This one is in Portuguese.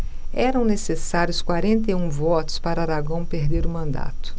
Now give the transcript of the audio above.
eram necessários quarenta e um votos para aragão perder o mandato